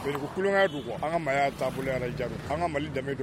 Kukulu kolokan don kɔ an ka' taabolo bolo ala ja an ka mali danbe don